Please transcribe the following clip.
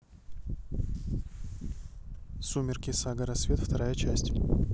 сумерки сага рассвет вторая часть